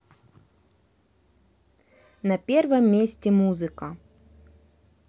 на первом месте музыка